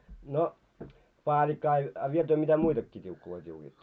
no paalikka ja ja vielä työ mitä muitakin tiukkuja tiukkaatte